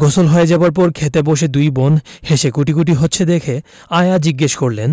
গোসল হয়ে যাবার পর খেতে বসে দুই বোন হেসে কুটিকুটি হচ্ছে দেখে আয়া জিজ্ঞেস করলেন